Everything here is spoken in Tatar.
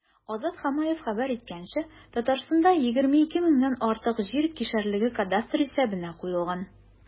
Азат Хамаев хәбәр иткәнчә, Татарстанда 22 меңнән артык җир кишәрлеге кадастр исәбенә куелган.